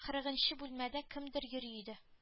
Кырыгынчы бүлмәдә кемдер йөри иде